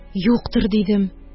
Юктыр, дидем.